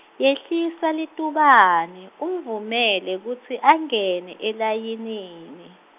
yehlisa litubane, umvumele kutsi angene elayinini.